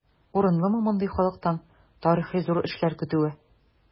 Урынлымы мондый халыктан тарихи зур эшләр көтүе?